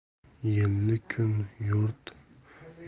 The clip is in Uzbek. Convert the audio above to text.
yelli kun yo'rt